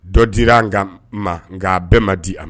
Dɔ dira n nka ma nka a bɛɛ ma di a ma